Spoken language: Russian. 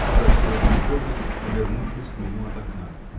— спросила она гордо, обернувшись к нему от окна.